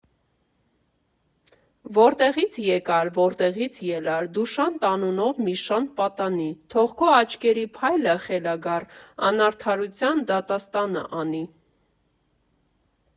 «Որտեղի՞ց եկար, որտեղի՞ց ելար, դու Շանթ անունով մի շանթ պատանի, թող քո աչքերի փայլը խելագար անարդարության դատաստանն անի…